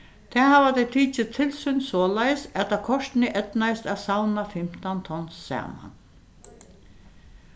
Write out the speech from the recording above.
tað hava tey tikið til sín soleiðis at tað kortini eydnaðist at savna fimtan tons saman